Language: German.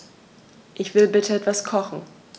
Ich will bitte etwas kochen.